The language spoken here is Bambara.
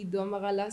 I dɔnbaga la